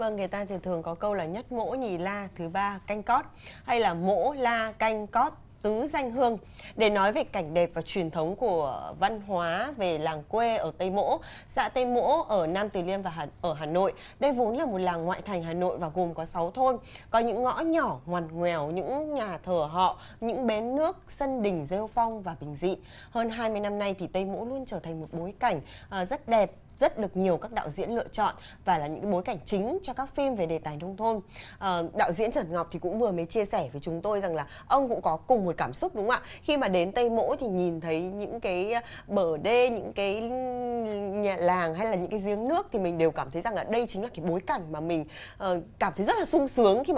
vâng người ta thường thường có câu là nhất mỗ nhì la thứ ba canh cót hay là mỗ la canh cót tứ danh hương để nói về cảnh đẹp và truyền thống của văn hóa về làng quê ở tây mỗ xã tây mỗ ở nam từ liêm và hẳn ở hà nội đây vốn là một làng ngoại thành hà nội và gồm có sáu thôn có những ngõ nhỏ ngoằn nghèo những nhà thờ họ những bến nước sân đình rêu phong và bình dị hơn hai năm nay thì tây mỗ luôn trở thành một bối cảnh ở rất đẹp rất được nhiều các đạo diễn lựa chọn và là những bối cảnh chính cho các phim về đề tài nông thôn ở đạo diễn trần ngọc thì cũng vừa mới chia sẻ với chúng tôi rằng ông cũng có cùng một cảm xúc đúng ạ khi mà đến tây mỗ thì nhìn thấy những cái bờ đê những cái nhà làng hay là những giếng nước thì mình đều cảm thấy rằng ở đây chính là cái bối cảnh mà mình ở cảm giác sung sướng khi